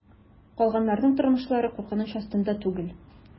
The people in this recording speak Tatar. Калганнарның тормышлары куркыныч астында түгел.